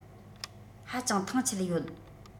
ཧ ཅང ཐང ཆད ཡོད